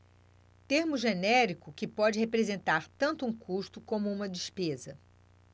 termo genérico que pode representar tanto um custo como uma despesa